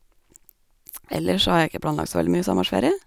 Ellers så har jeg ikke planlagt så veldig mye sommerferie.